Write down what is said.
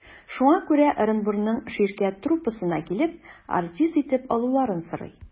Шуңа күрә Ырынбурның «Ширкәт» труппасына килеп, артист итеп алуларын сорый.